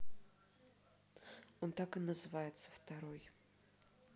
он так и называется второй